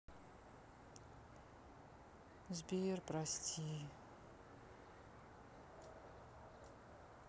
сбер прости